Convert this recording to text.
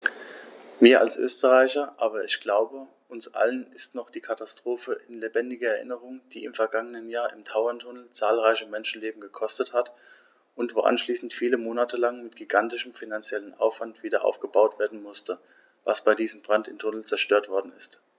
Mir als Österreicher, aber ich glaube, uns allen ist noch die Katastrophe in lebendiger Erinnerung, die im vergangenen Jahr im Tauerntunnel zahlreiche Menschenleben gekostet hat und wo anschließend viele Monate lang mit gigantischem finanziellem Aufwand wiederaufgebaut werden musste, was bei diesem Brand im Tunnel zerstört worden ist.